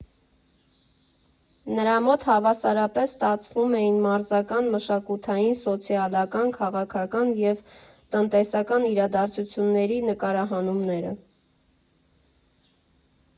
Նրա մոտ հավասարապես ստացվում էին մարզական, մշակութային, սոցիալական, քաղաքական և տնտեսական իրադարձությունների նկարահանումները։